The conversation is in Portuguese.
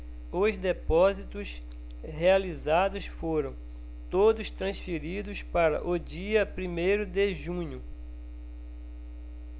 os depósitos realizados foram todos transferidos para o dia primeiro de junho